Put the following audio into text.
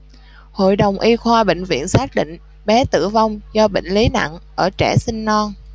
hội đồng y khoa bệnh viện xác định bé tử vong do bệnh lý nặng ở trẻ sinh non